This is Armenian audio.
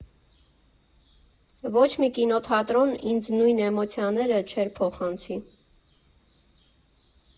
Ոչ մի կինոթատրոն ինձ նույն էմոցիաները չէր փոխանցի։